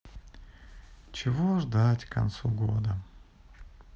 чего ждать к концу года